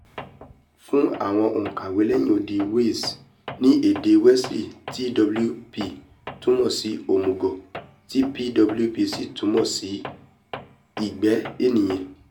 Fún àwọn òǹkàwé lẹ́yìn odi Wales. Ní èdè Welsh twp tumọ sí òmùgọ̀ tí pwp sì tumọ sí ìgbẹ́ ènìyàn.